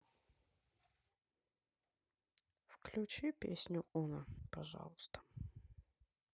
включи песню уно пожалуйста